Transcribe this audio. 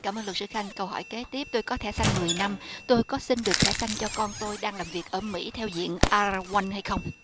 cảm ơn luật sư khang câu hỏi kế tiếp tôi có thể xanh mười năm tôi có xin được thẻ xanh cho con tôi đang làm việc ở mỹ theo diện a ra goăn hay không